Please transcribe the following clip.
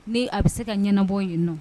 Ni a bɛ se ka ɲɛnaɛnɛbɔ in yen nɔ